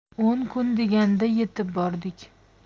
o'n kun deganda yetib bordik